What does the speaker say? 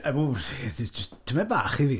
Ww, jyst tamaid bach i fi.